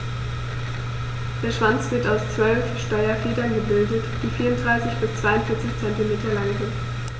Der Schwanz wird aus 12 Steuerfedern gebildet, die 34 bis 42 cm lang sind.